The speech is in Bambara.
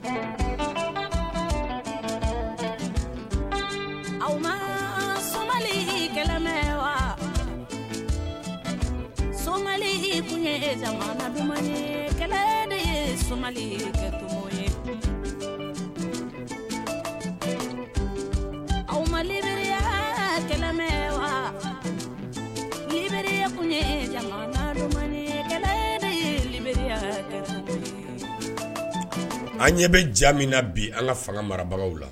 Aw ma wa so kun ye duman ye kelen de ye yebri wa libri kun ye libri an ɲɛ bɛmina bi an ka fanga marabagaww la